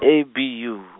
A B U.